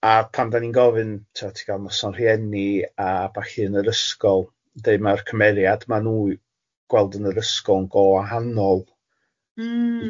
A pan dan ni'n gofyn tibod ti'n gal noson rhieni a ballu yn yr ysgol deud mae'r cymeriad maen nhw'n gweld yn yr ysgol yn go wahannol... M-hm.